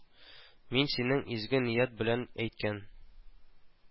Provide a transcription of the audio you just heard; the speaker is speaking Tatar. Мин синең изге ният белән әйткән